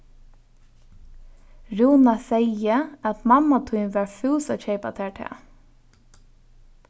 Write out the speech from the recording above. rúna segði at mamma tín var fús at keypa tær tað